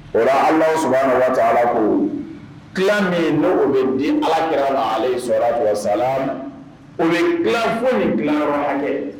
O ala s ala ko tila min n' u bɛ di ala kɛra la ale sɔrɔ sa na u bɛ tilafo ni tilayɔrɔ kɛ